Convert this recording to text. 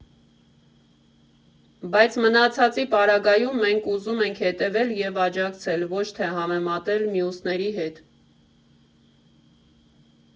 Բայց մնացածի պարագայում մենք ուզում ենք հետևել և աջակցել, ոչ թե համեմատել մյուսների հետ։